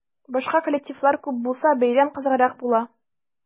Башка коллективлар күп булса, бәйрәм кызыграк була.